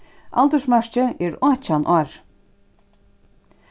aldursmarkið er átjan ár